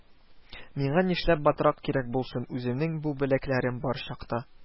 Миңа нишләп батрак кирәк булсын үземнең бу беләкләрем бар чакта